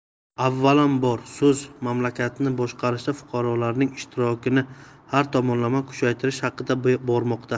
avvalambor so'z mamlakatni boshqarishda fuqarolarning ishtirokini har tomonlama kuchaytirish haqida bormoqda